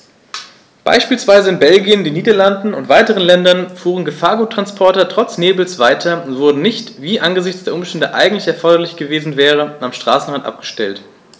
Beispielsweise in Belgien, den Niederlanden und weiteren Ländern fuhren Gefahrguttransporter trotz Nebels weiter und wurden nicht, wie es angesichts der Umstände eigentlich erforderlich gewesen wäre, am Straßenrand abgestellt.